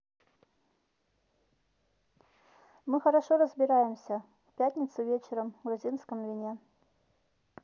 мы хорошо разбираемся в пятницу вечером в грузинском вине